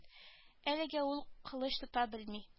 Әлегә ул кылыч тота белми